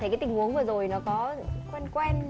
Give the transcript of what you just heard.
thấy cái tình huống vừa rồi nó có quen quen